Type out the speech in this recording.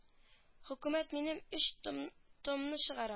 Хөкүмәт минем өч том-томны чыг